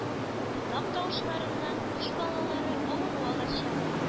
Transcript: Ботак тавышыннан кош балалары авыру алачак...